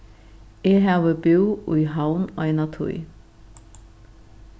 eg havi búð í havn eina tíð